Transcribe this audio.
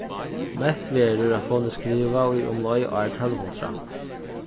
mett verður at hon er skrivað í umleið ár tólv hundrað